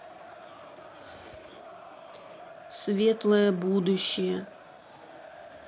светлое будущее